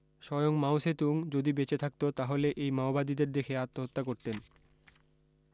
স্বয়ং মাওসেতুং যদি বেঁচে থাকতো তাহলে এই মাওবাদিদের দেখে আত্মহত্যা করতেন